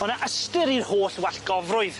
O' 'ny ystyr i'r holl wallgofrwydd.